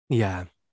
Ie.